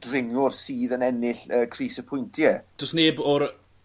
dringwr sydd yn ennill y crys y pwyntie. Do's neb o'r y